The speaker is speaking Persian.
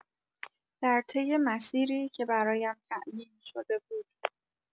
در طی مسیری که برایم تعیین شده بود